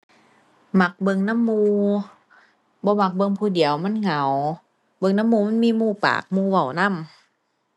มักเบิ่งนำหมู่ บ่มักเบิ่งผู้เดียวมันเหงา เบิ่งนำหมู่มันมีหมู่ปากหมู่เว้านำ